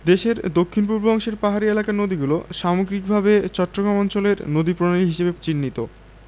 দেশের দক্ষিণ পূর্ব অংশের পাহাড়ী এলাকার নদীগুলো সামগ্রিকভাবে চট্টগ্রাম অঞ্চলের নদীপ্রণালী হিসেবে চিহ্নিত